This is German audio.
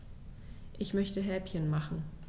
Ich möchte Häppchen machen.